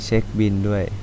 เช็คบิลด้วย